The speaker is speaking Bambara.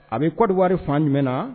A bɛ Côte d'Ivoire fan jumɛn na?